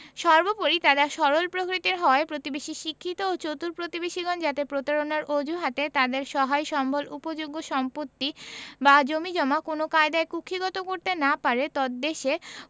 সর্বপরি তারা সরল প্রকৃতির হওয়ায় প্রতিবেশী শিক্ষিত ও চতুর প্রতিবেশীগণ যাতে প্রতারণার অজুহাতে তাদের সহায় সম্ভল উপযোগ্য সম্পত্তি বা জমিজমা কোনও কায়দায় কুক্ষীগত করতে না পারে তদ্দেশে